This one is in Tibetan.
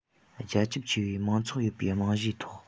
རྒྱ ཁྱབ ཆེ བའི མང ཚོགས ཡོད པའི རྨང གཞིའི ཐོག